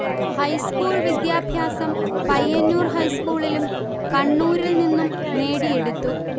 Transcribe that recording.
high school വിദ്യാഭ്യാസം പയ്യന്നൂർ ഹൈസ്കൂളിലും കണ്ണൂരിൽ നിന്നും നേടിയെടുത്തു